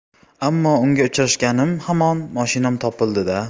ammo unga uchrashganim hamon moshinam topildi da